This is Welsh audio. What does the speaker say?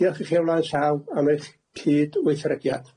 Diolch i chi o flaen llaw am eich cydweithrediad.